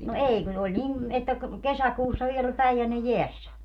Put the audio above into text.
no ei kun oli niin että - kesäkuussa vielä oli Päijänne jäässä